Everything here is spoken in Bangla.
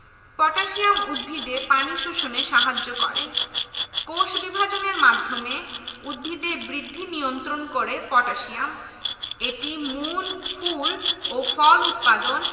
পটাশিয়াম উদ্ভিদে পানি শোষণে সাহায্য করে কোষবিভাজনের মাধ্যমে উদ্ভিদের বৃদ্ধি নিয়ন্ত্রণ করে পটাশিয়াম এটি মূল ফুল ও ফল উৎপাদন